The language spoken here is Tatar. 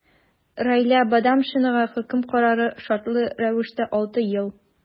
Раилә Бадамшинага хөкем карары – шартлы рәвештә 6 ел.